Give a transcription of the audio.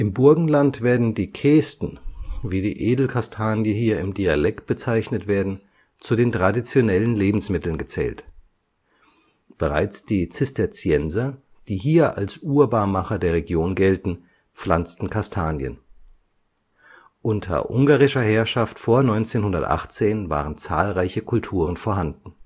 Burgenland werden die Kaesten, wie die Edelkastanie hier im Dialekt bezeichnet werden, zu den traditionellen Lebensmitteln gezählt. Bereits die Zisterzienser, die hier als Urbarmacher der Region gelten, pflanzten Kastanien. Unter ungarischer Herrschaft vor 1918 waren zahlreiche Kulturen vorhanden